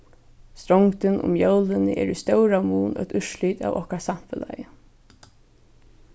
strongdin um jólini er í stóran mun eitt úrslit av okkara samfelagi